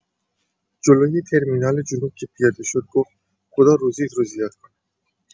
جلوی ترمینال جنوب که پیاده شد، گفت: خدا روزیت رو زیاد کند.